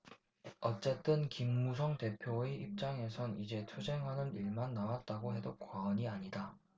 어쨌든 김무성 대표의 입장에선 이제 투쟁하는 일만 남았다고 해도 과언이 아니다